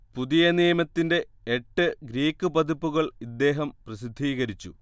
പുതിയ നിയമത്തിന്റെ എട്ട് ഗ്രീക്ക് പതിപ്പുകൾ ഇദ്ദേഹം പ്രസിദ്ധീകരിച്ചു